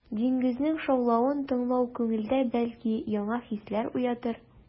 Диңгезнең шаулавын тыңлау күңелдә, бәлки, яңа хисләр уятыр.